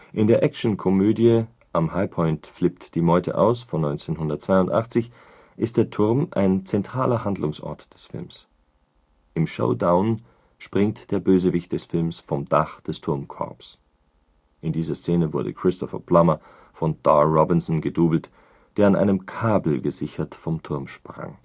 In der Actionkomödie Am Highpoint flippt die Meute aus von 1982 ist der Turm ein zentraler Handlungsort des Films. Im Showdown springt der Bösewicht des Films vom Dach des Turmkorbs. In dieser Szene wurde Christopher Plummer von Dar Robinson gedoubelt, der an einem Kabel gesichert vom Turm sprang